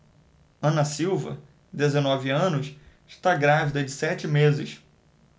ana silva dezenove anos está grávida de sete meses